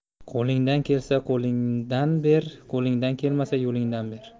qo'lingdan kelsa qo'lingdan ber qo'lingdan kelmasa yo'lingdan ber